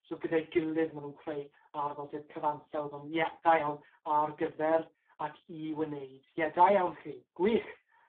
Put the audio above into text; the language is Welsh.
So gyda'i gilydd ma' nw'n creu arddodiad cyfansawdd on' ie, da iawn. Ar gyfer ac i wneud. Ie da iawn chi. Gwych.